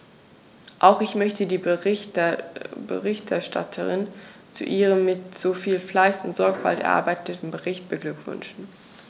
Auch ich möchte die Berichterstatterin zu ihrem mit so viel Fleiß und Sorgfalt erarbeiteten Bericht beglückwünschen.